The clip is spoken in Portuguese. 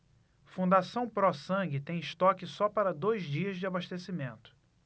fundação pró sangue tem estoque só para dois dias de abastecimento